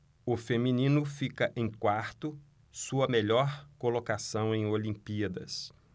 o feminino fica em quarto sua melhor colocação em olimpíadas